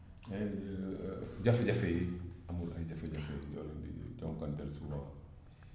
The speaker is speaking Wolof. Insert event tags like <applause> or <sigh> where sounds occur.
<hesitation> jafe-jafe yi amul ay jafe-jafe <breath> yoo leen di jànkuwanteel souvent